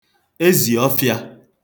ezì ọfị̄ā